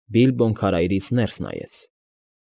Բիլբոն քարայրից ներս նայեց։